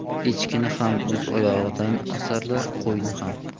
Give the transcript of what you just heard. echkini ham o'z oyog'idan osarlar qo'yni ham